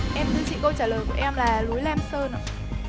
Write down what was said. em thưa chị câu trả lời của em là núi lam sơn ạ